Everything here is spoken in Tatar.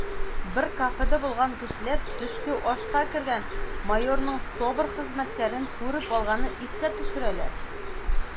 Бер кафеда булган кешеләр төшке ашка кергән майорның СОБР хезмәткәрен күреп алганын искә төшерәләр: